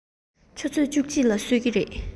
ཆུ ཚོད བཅུ གཅིག ལ གསོད ཀྱི རེད